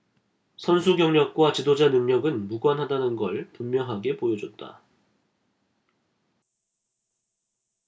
선수 경력과 지도자 능력은 무관하다는 걸 분명하게 보여줬다